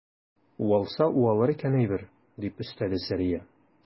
Уалса уалыр икән әйбер, - дип өстәде Сәрия.